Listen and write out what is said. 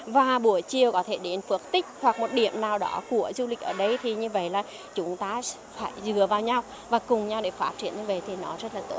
và buổi chiều có thể đến phước tích hoặc một điểm nào đó của du lịch ở đây thì như vậy là chúng ta phải dựa vào nhau và cùng nhau để phát triển như vậy thì nó rất là tốt